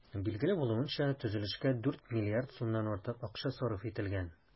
Билгеле булуынча, төзелешкә 4 миллиард сумнан артык акча сарыф ителгән.